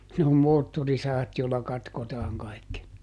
ne on moottorisahat joilla katkotaan kaikki